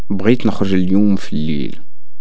بغيت نخرج ليوم فاليل